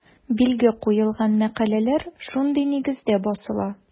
Билге куелган мәкаләләр шундый нигездә басыла.